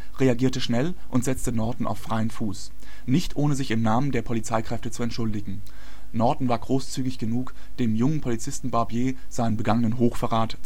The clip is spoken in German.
schnell und setzte Norton auf freien Fuß, nicht ohne sich im Namen der Polizeikräfte zu entschuldigen. Norton war großzügig genug, dem jungen Polizisten Barbier seinen begangenen Hochverrat